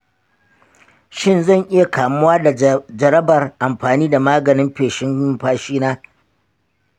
shin zan iya kamuwa da jarabar amfani da maganin feshin numfashi na